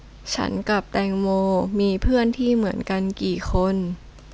ฉันกับแตงโมมีเพื่อนที่เหมือนกันกี่คน